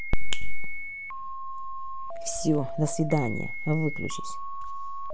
все до свидания выключись